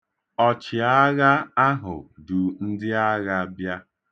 Ọchịagha ahụ du ndịagha bịa.